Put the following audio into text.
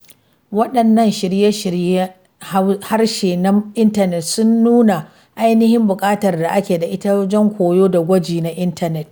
Waɗannan shirye-shiryen harshen na intanet sun nuna ainihin buƙatar da ake da ita wajen koyo da gwaji ta intanet.